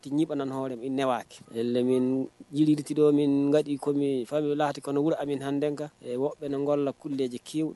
Nci ban ne waini jiriditi dɔ min ka ikomi f fa bɛ lahaki kɔnɔuru a bɛ had bɛkɔrɔ la kuli lajɛkewu